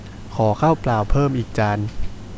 ขอข้าวเปล่่าเพิ่มอีกจาน